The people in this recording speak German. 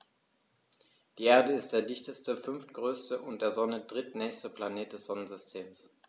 Die Erde ist der dichteste, fünftgrößte und der Sonne drittnächste Planet des Sonnensystems.